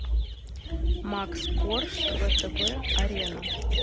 макс корж втб арена